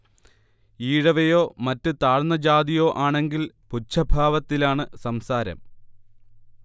ഈഴവയോ മറ്റ് താഴ്ന്ന ജാതിയോ ആണെങ്കിൽ പുച്ഛഭാവത്തിലാണ് സംസാരം